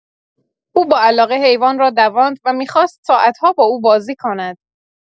او با علاقه حیوان را دواند و می‌خواست ساعت‌ها با او بازی کند